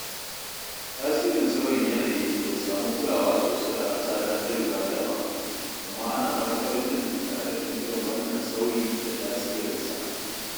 Tasirin sauyin yanayi bai samu kulawa sosai a ƙasata ta Uganda ba, amma ana matuƙar jin raɗaɗin irin wannan sauyi da tasirinsa.